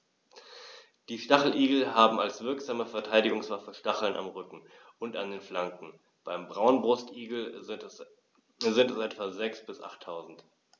Die Stacheligel haben als wirksame Verteidigungswaffe Stacheln am Rücken und an den Flanken (beim Braunbrustigel sind es etwa sechs- bis achttausend).